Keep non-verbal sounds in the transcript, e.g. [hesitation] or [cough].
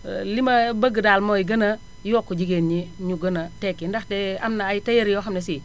[hesitation] li ma bëgg daal mooy gën a yokk jigéen ñi ñu gën a tekki ndaxte am na ay tailleur yoo xam ne sii